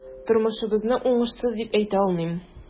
Тормышыбызны уңышсыз дип әйтә алмыйм.